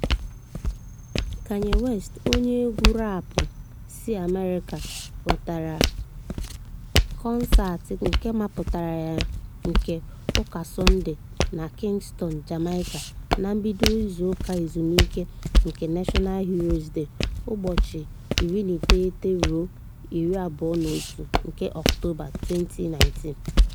Kanye West, onye egwu raapụ si America wetere kọnsaatị kemmapụta ya nke "Ụka Sọnde" na Kingston, Jamaica, na mbido izu ụka ezumike nke National Heroes Day (ụbọchị 19-21 nke Ọktoba, 2019).